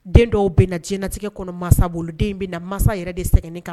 Den dɔw bɛna na diɲɛnatigɛ kɔnɔ mansaden bɛna na mansa yɛrɛ de sɛgɛn kan